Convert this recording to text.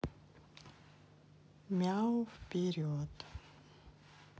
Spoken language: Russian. мяу вперед